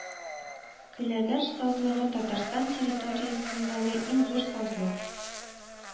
Көләгәш сазлыгы Татарстан территориясендәге иң зур сазлык